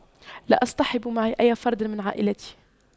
لا أصطحب معي أي فرد من عائلتي